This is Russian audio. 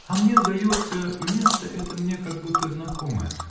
-- А мне сдается, место это мне как будто знакомое.